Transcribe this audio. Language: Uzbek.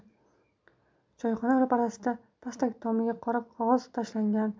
choyxona ro'parasida pastak tomiga qora qog'oz tashlangan